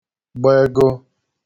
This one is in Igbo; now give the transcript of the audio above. gbego